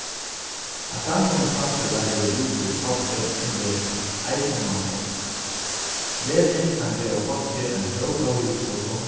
eitt framkomið samfelag hevur brúk fyri fólki sum lesa eisini mannfólki lesing kann geva fólki ein hóp av hugskotum